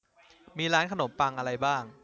มีร้านขนมปังอะไรบ้าง